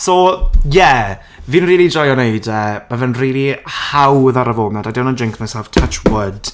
So ie. Fi'n rili joio wneud e, ma' fe'n rili hawdd ar y foment, I don't want to jinx myself, touch wood!